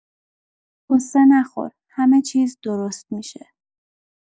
غصه نخور همه چیز درست می‌شه